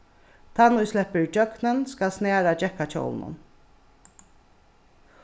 tann ið sleppur ígjøgnum skal snara gekkahjólinum